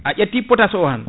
a ƴetti potasse o tan